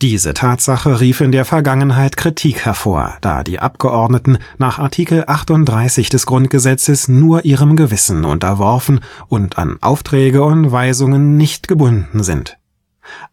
Diese Tatsache rief in der Vergangenheit Kritik hervor, da die Abgeordneten nach Art. 38 des Grundgesetzes nur ihrem Gewissen unterworfen und an Aufträge und Weisungen nicht gebunden sind.